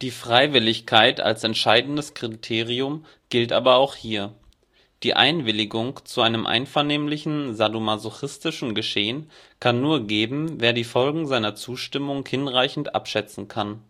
Freiwilligkeit als entscheidendes Kriterium gilt aber auch hier. Die Einwilligung zu einem einvernehmlichen sadomasochistischen Geschehen kann nur geben, wer die Folgen seiner Zustimmung hinreichend abschätzen kann